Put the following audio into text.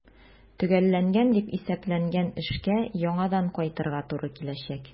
Төгәлләнгән дип исәпләнгән эшкә яңадан кайтырга туры киләчәк.